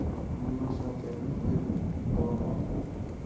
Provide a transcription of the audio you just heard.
ammo shavkatni qo'yib yubormadi